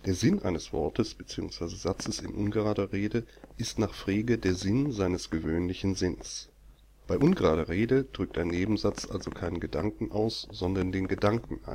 Sinn eines Wortes bzw. Satzes in ungerader Rede ist nach Frege der Sinn seines gewöhnlichen Sinns (S. 37). Bei ungerader Rede drückt ein Nebensatz also keinen Gedanken aus (sondern den Gedanken